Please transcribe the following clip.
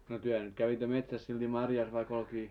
no te nyt kävitte metsässä silti marjassa vaikka olikin